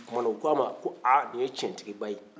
o tumana u k'a ma ko aa ko nin ye tiɲɛtigiba ye